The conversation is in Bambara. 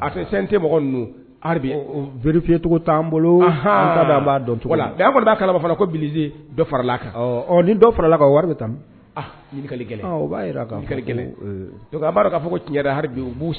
A tɛ ninnu bere fiyecogo t'an bolocogo la kala ko bilisi dɔ farala kan ni dɔ farala wari bɛ taa o b'a b'a k'a fɔ cɛnda u b'u